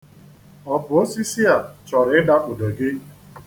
Ọ bụ osisi a chọrọ ịdakpudo gị?